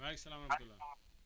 maaleykum salaam wa rahmatulah